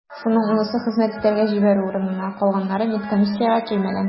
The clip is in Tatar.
Шуларның унысы хезмәт итәргә җибәрү урынына, калганнары медкомиссиягә килмәгән.